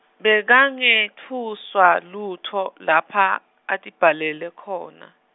Bekangetfuswa lutfo lapha , atibhalele khona.